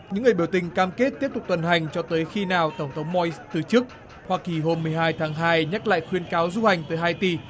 những người biểu tình cam kết tiếp tục tuần hành cho tới khi nào tổng thống moi từ chức hoa kỳ hôm mười hai tháng hai nhắc lại khuyến cáo du hành tới hai ti